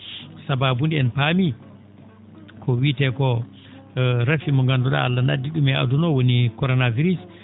sabaabu nde en paamii ko wiitee koo rafi mo ngandu?aa Allah no addi ?um e aduna oo woni corona viris